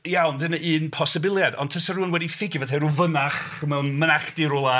Ia ond dyna un posibiliad. Ond tasai rywun wedi ffugio fo, petai ryw fynach mewn mynachdy rywle...